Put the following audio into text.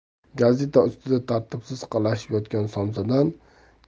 gazeta ustida tartibsiz qalashib yotgan